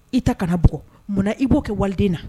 I ta kana bɔ munna i b'o kɛ waliden na